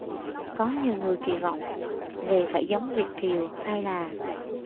có nhiều người kỳ vọng về phải giống việt kiều hay là